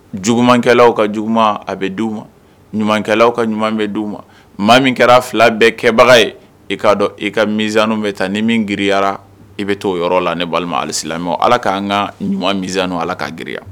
Jugukɛlaw ka juguuma a bɛ d' u ma, ɲumankɛlaw ka ɲuman bɛ d'u ma, maa min kɛra fila bɛɛ kɛbaga ye, i ka dɔn i ka mizani bɛ ta ni min girinyara, i bɛ t'o yɔrɔ la ne balima alisilamɛw, Ala k'an ka ɲuman mizani Ala ka girinya.